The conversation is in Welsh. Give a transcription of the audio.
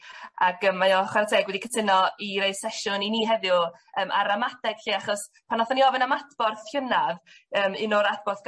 Ag yym mae o chwara teg wedi cytuno i roi sesiwn i ni heddiw yym ar ramadeg 'lly achos pan nathon ni ofyn am adborth llynadd yym un o'r adborth